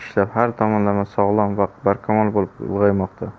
ishlab har tomonlama sog'lom va barkamol bo'lib ulg'aymoqda